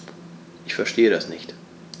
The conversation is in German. Ich verstehe das nicht.